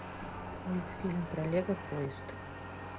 мультфильм про лего поезд